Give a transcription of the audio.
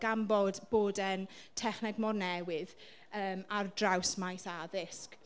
Gan bod bod e'n techneg mor newydd yym ar draws maes addysg.